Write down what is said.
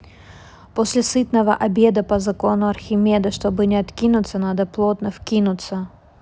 после сытного обеда по закону архимеда чтобы не откинуться надо плотно вкинуться